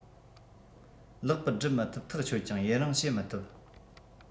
ལེགས པར སྒྲུབ མི ཐུབ ཐག ཆོད ཀྱང ཡུན རིང བྱེད མི ཐུབ